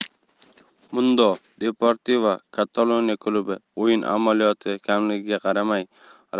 mundo deportivokataloniya klubi o'yin amaliyoti kamligiga qaramay